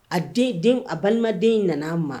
A a balimaden in nana a ma